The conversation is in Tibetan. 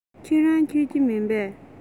ཁྱོད རང མཆོད ཀྱི མིན པས